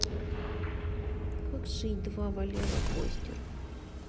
как жить два валера гостер